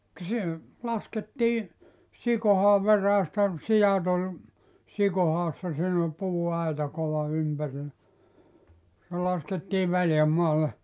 ka se laskettiin sikohaan veräjästä siat oli sikohaassa siinä oli puuaita kova ympärillä se laskettiin väljänmaalle